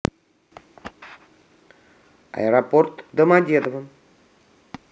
аэропорт домодедово